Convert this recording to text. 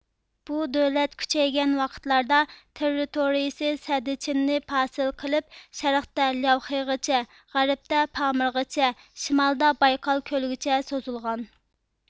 بۇ دۆلەت كۈچەيگەن ۋاقىتلاردا تېررىتورىيىسى سەددىچىننى پاسىل قىلىپ شەرقتە لياۋخېغىچە غەربتە پامىرغىچە شىمالدا بايقال كۆلىگىچە سوزۇلغان